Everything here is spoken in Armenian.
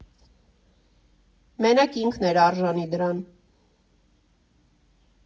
Մենակ ինքն էր արժանի դրան։